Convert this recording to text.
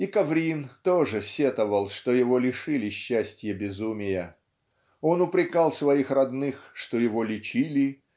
И Коврин тоже сетовал, что его лишили счастья безумия. Он упрекал своих родных что его лечили